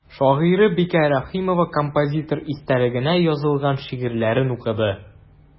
Шагыйрә Бикә Рәхимова композитор истәлегенә язылган шигырьләрен укыды.